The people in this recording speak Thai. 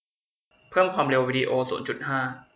เพิ่มความเร็ววีดีโอศูนย์จุดห้า